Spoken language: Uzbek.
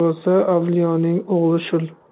bo'lsa avliyoning o'g'li shul